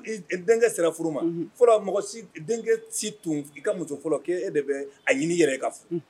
Denkɛ sera furu ma fɔlɔ mɔgɔ denkɛ si tun i ka muso fɔlɔkɛ e de bɛ a ɲini yɛrɛ i ka fɔ